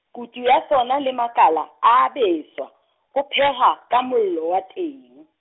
kutu ya sona le makala a a beswa, ho phehwa ka mollo wa teng.